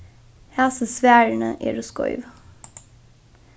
hasi svarini eru skeiv